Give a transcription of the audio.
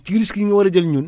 ci risque yi nga war a jël ñun